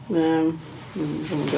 Yym, dwi ddim yn gwbo'.